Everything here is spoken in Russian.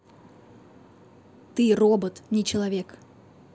ты робот не человек